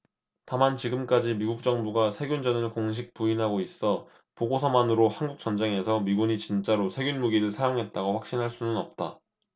다만 지금까지 미국 정부가 세균전을 공식 부인하고 있어 보고서만으로 한국전쟁에서 미군이 진짜로 세균무기를 사용했다고 확신할 수는 없다